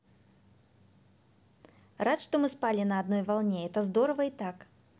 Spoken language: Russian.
рад что мы спали на одной волне это здорово и так